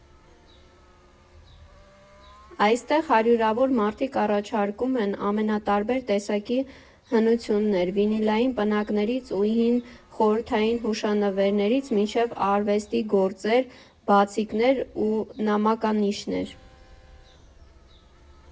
Այստեղ հարյուրավոր մարդիկ առաջարկում են ամենատարբեր տեսակի հնություններ՝ վինիլային պնակներից ու հին խորհրդային հուշանվերներից մինչև արվեստի գործեր, բացիկներ ու նամականիշներ։